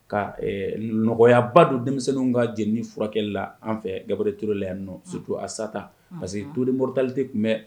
Ka nɔgɔyayaba don denmisɛnnin ka jɛ furakɛ la an fɛ gaɛrɛre t la yan nɔ sutu asata parce que to ni moritalite tun bɛ